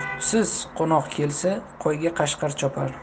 qutsiz qo'noq kelsa qo'yga qashqir chopar